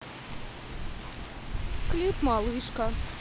клип малышка